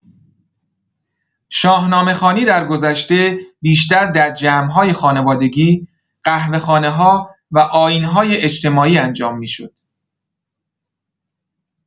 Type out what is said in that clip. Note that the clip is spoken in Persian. شاهنامه‌خوانی درگذشته بیشتر در جمع‌های خانوادگی، قهوه‌خانه‌ها و آیین‌های اجتماعی انجام می‌شد.